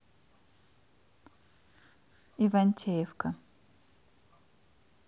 ивантеевка